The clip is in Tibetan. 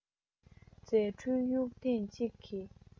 རྫས འཕྲུལ གཡུགས ཐེངས གཅིག གིས